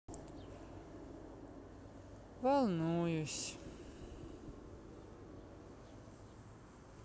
волнуюсь